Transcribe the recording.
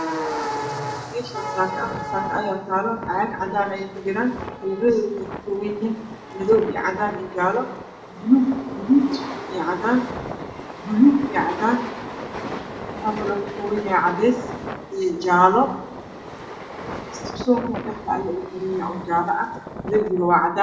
Meeshan saako afar saako ayaa taalo caagag cadaana ayeey kujiraan kalaradodana waxay ka koobanyihiin madoow iyo caadan iyo jaalo buluug iyo gaduud cadaan buluug iyo cadaan waxaa kalo ka koobanyahy cadees iyo jaalo suunkana dhexda ayuu ugu xiranyhy oo jaalo ah darbiga waa cadaan